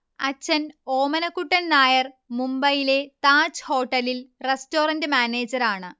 അച്ഛൻ ഓമനക്കുട്ടൻ നായർ മുബൈയിലെ താജ് ഹോട്ടലിൽ റസ്റ്റോറന്റ് മാനേജരാണ്